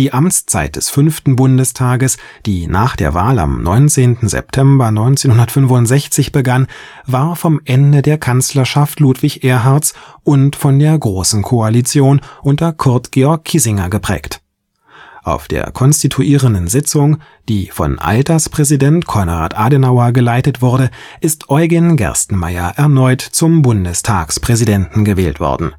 Amtszeit des fünften Bundestags, die nach der Wahl am 19. September 1965 begann, war vom Ende der Kanzlerschaft Ludwig Erhards und von der Großen Koalition unter Kurt Georg Kiesinger geprägt. Auf der konstituierenden Sitzung, die von Alterspräsident Konrad Adenauer geleitet wurde, ist Eugen Gerstenmaier erneut zum Bundestagspräsidenten gewählt worden